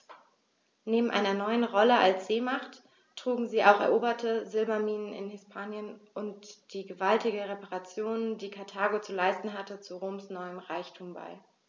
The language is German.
Neben seiner neuen Rolle als Seemacht trugen auch die eroberten Silberminen in Hispanien und die gewaltigen Reparationen, die Karthago zu leisten hatte, zu Roms neuem Reichtum bei.